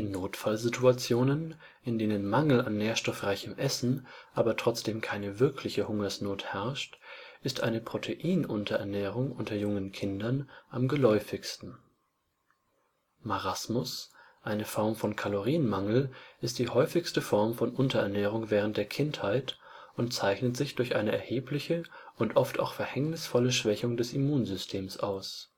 Notfallsituationen, in denen Mangel an nährstoffreichem Essen, aber trotzdem keine wirkliche Hungersnot herrscht, ist eine Protein-Unterernährung unter jungen Kindern am geläufigsten. Marasmus, eine Form von Kalorienmangel, ist die häufigste Form von Unterernährung während der Kindheit und zeichnet sich durch eine erhebliche und oft auch verhängnisvolle Schwächung des Immunsystem aus